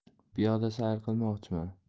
piyoda sayr qilmoqchiman